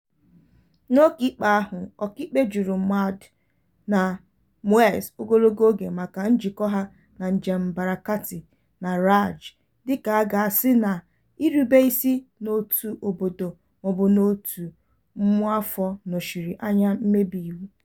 N'oge ikpe ahụ, ọkàikpe jụrụ Mohand na Moez ogologo oge maka njikọ ha na njem "Barakat!" na RAJ, dịka a ga-asị na irube isi n'òtù obodo maọbụ n'òtù ụmụafọ nọchiri anya mmebi iwu."